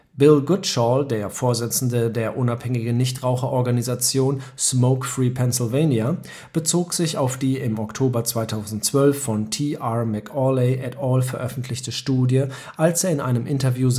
Bill Godshall, der Vorsitzende der unabhängigen Nichtraucherorganisation „ Smokefree Pennsylvania “, bezog sich auf die im Oktober 2012 von T. R. McAuley et al. veröffentlichte Studie, als er in einem Interview sagte